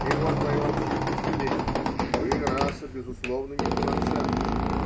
– И вот мое общее впечатление: вы раса безусловно неполноценная.